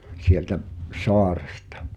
sieltä saaresta